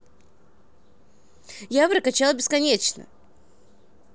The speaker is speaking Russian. я прокачал бесконечно